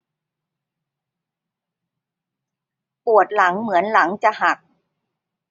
ปวดหลังเหมือนหลังจะหัก